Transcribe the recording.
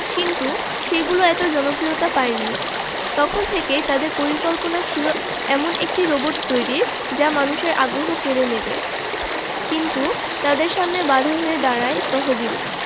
যেগুলোর নাম ছিল সাস্ট টু কিন্তু সেগুলো এত জনপ্রিয়তা পায়নি তখন থেকেই তাদের পরিকল্পনা ছিল এমন একটি রোবট তৈরির যা মানুষের আগ্রহ কেড়ে নেবে কিন্তু তাদের সামনে বাধা হয়ে দাঁড়ায় তহবিল